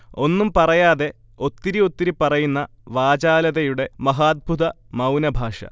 ഒന്നും പറയാതെ ഒത്തിരിയൊത്തിരി പറയുന്ന വാചാലതയുടെ മഹാദ്ഭുത മൗനഭാഷ